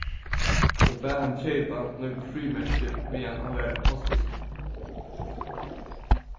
hon bað hann keypa nøkur frímerki meðan hann var á posthúsinum